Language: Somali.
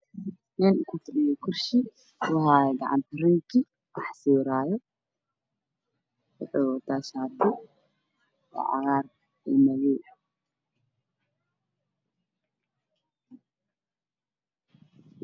Waa wiil wata shati madow wax ayuu sawirayaa qaran ayuu sawirada ku sawirayaa korsi ayuu ku fadhiyaa waana blue